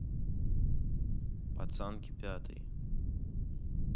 пацанки пятый